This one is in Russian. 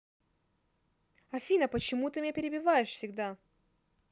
афина почему ты меня перебиваешь всегда